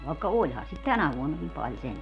vaikka olihan sitä tänä vuonnakin paljon sentään